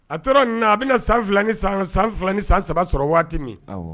A tora na a bɛna na san san 2 ni san saba sɔrɔ waati min